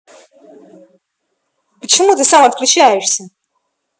почему ты сам отключаешься